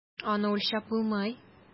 Аны үлчәп булмый.